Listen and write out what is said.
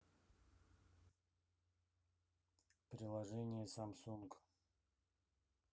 приложение samsung